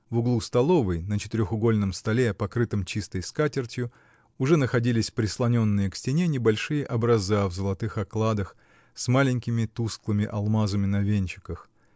В углу столовой на четырехугольном столе, покрытом чистой скатертью, уже находились прислоненные к стене небольшие образа в золотых окладах, с маленькими тусклыми алмазами на венчиках.